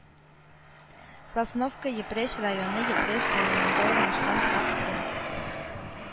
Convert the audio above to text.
Сосновка Епрәч районы Епрәч районында урнашкан торак пункт